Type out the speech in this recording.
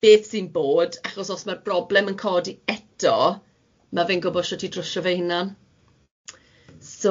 Beth sy'n bod, achos os mae'r broblem yn codi eto, ma' fe'n gwbod shwt i drwsho fe'i hunan.